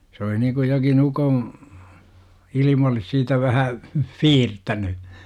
se oli niin kuin jokin - ukonilma olisi siitä vähän siirtänyt